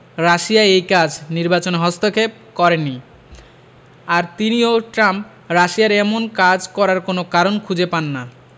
Russia এই কাজ নির্বাচনে হস্তক্ষেপ করেনি আর তিনিও ট্রাম্প রাশিয়ার এমন কাজ করার কোনো কারণ খুঁজে পান না